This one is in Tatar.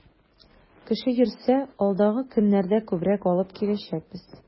Кеше йөрсә, алдагы көннәрдә күбрәк алып киләчәкбез.